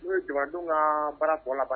N'u ye jamanadenw ka baara tɔ laban